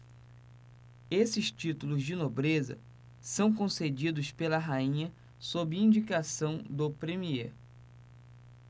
esses títulos de nobreza são concedidos pela rainha sob indicação do premiê